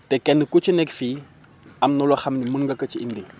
te kenn ku ci nekk fii am na loo xam ne mën na ko ci indi